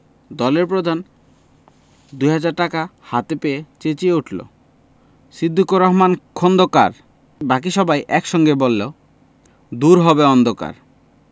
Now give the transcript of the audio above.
দলের প্রধান দু'হাজার টাকা হাতে পেয়ে চেঁচিয়ে ওঠল সিদ্দিকুর রহমান খোন্দকার বাকি সবাই এক সঙ্গে চল দূর হবে অন্ধকার